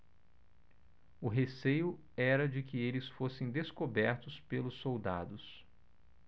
o receio era de que eles fossem descobertos pelos soldados